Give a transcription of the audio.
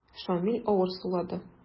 Шамил авыр сулады.